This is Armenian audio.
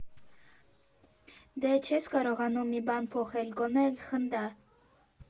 Դե, չես կարողանում մի բան փոխել, գոնե՝ խնդա։